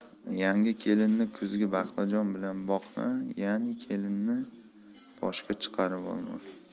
yangi kelinni kuzgi baqlajon bilan boqma yani kelinni boshga chiqarib olma